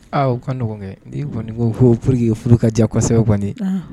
Kaɔgɔnkɛ ni ko pur furuuru ka diya kɔ kosɛbɛ gandi